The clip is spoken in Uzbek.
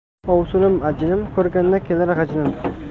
ovsinim ajinim ko'rganda kelar g'ijinim